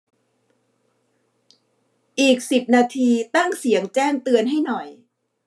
อีกสิบนาทีตั้งเสียงแจ้งเตือนให้หน่อย